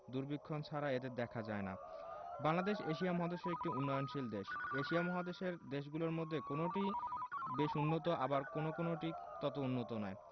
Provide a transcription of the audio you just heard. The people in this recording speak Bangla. দূরবীক্ষণ ছাড়া এদের দেখা যায় না বাংলাদেশ এশিয়া মহাদেশের একটি উন্নয়নশীল দেশ এশিয়া মহাদেশের দেশগুলোর মধ্যে কোনটি বেশ উন্নত আবার কোনো কোনোটি তত উন্নত নয়